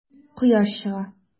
Кояш чыга.